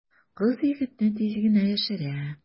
Кыз егетне тиз генә яшерә.